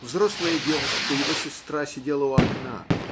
Взрослая девушка, его сестра, сидела у окна